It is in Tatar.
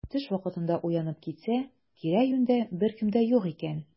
Төш вакытында уянып китсә, тирә-юньдә беркем дә юк икән.